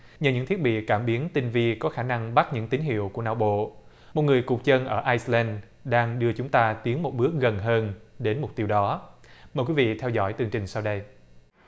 nhờ những thiết bị cảm biến tinh vi có khả năng bắt những tín hiệu của não bộ một người cụt chân ở ai sơ len đang đưa chúng ta tiến một bước gần hơn đến mục tiêu đó mời quý vị theo dõi tường trình sau đây